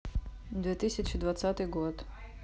две тысячи двадцатый год